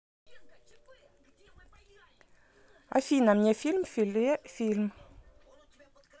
афина мне фильм филе фильм